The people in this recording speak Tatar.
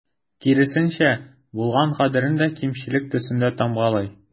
Киресенчә, булган кадәресен дә кимчелек төсендә тамгалый.